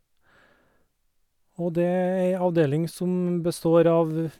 Og det er ei avdeling som består av...